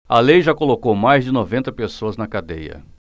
a lei já colocou mais de noventa pessoas na cadeia